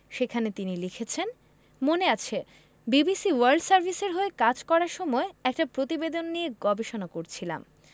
সেখানে তিনি লিখেছেন মনে আছে বিবিসি ওয়ার্ল্ড সার্ভিসের হয়ে কাজ করার সময় একটা প্রতিবেদন নিয়ে গবেষণা করছিলাম